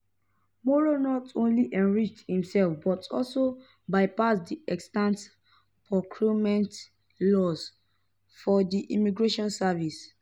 Moro not only enriched himself but also bypassed the extant procurement laws for the Immigration Service.